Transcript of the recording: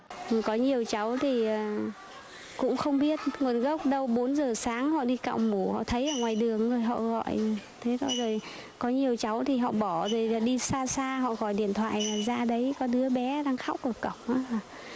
dù có nhiều cháu thì cũng không biết nguồn gốc đâu bốn giờ sáng họ đi cạo mủ họ thấy ở ngoài đường họ gọi thế xong rồi có nhiều cháu thì họ bỏ rồi đi xa xa họ gọi điện thoại ra đấy có đứa bé đang khóc ở cổng